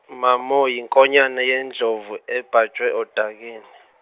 mamo yinkonyane yendlovu ebhajwe odakeni.